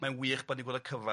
Ma'n wych bod ni'n gweld y cyfan